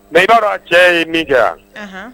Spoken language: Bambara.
Mɛ i b'a dɔn cɛ y'i min kɛ yan